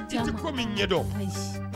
Jatigi ko min ɲɛdɔn